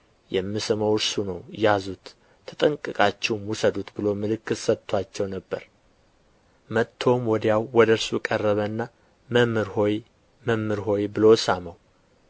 የምስመው እርሱ ነው ያዙት ተጠንቅቃችሁም ውሰዱት ብሎ ምልክት ሰጥቶአቸው ነበር መጥቶም ወዲያው ወደ እርሱ ቀረበና መምህር ሆይ መምህር ሆይ ብሎ ሳመው